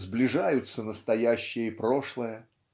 Сближаются настоящее и прошлое.